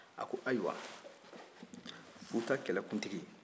a ko ayiwa futa kɛlɛkuntigi